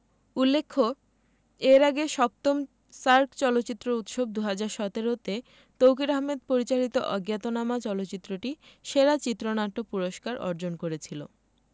উল্লেখ্য এর আগে ৭ম সার্ক চলচ্চিত্র উৎসব ২০১৭ তে তৌকীর আহমেদ পরিচালিত অজ্ঞাতনামা চলচ্চিত্রটি সেরা চিত্রনাট্য পুরস্কার অর্জন করেছিল